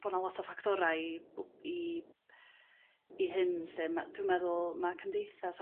bo' 'na lot o ffactorau i b- i i hyn lle ma'... Dwi'n meddwl ma' cymdeithas